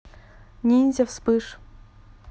ниндзя вспыш